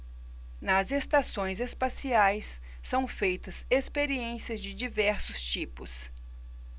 nas estações espaciais são feitas experiências de diversos tipos